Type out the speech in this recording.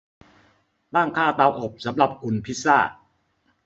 ตั้งค่าเตาอบสำหรับอุ่นพิซซ่า